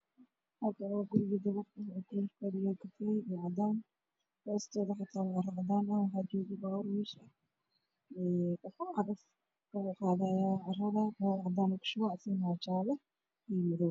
Halkaan waa guri dabaq ah midabkiisu waa kafay iyo cadaan, hoos waxaa taalo carro cadaan ah, waxaa yaalo gaari wiish ah iyo cagaf oo carada qaadayo oo gaariga kushubaayo midabkiisu waa jaale iyo madow.